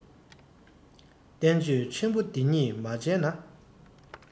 བསྟན བཅོས ཆེན པོ འདི གཉིས མ མཇལ ན